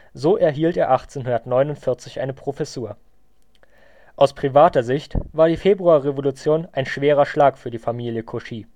So erhielt er 1849 eine Professur. Aus privater Sicht war die Februarrevolution ein schwerer Schlag für die Familie Cauchy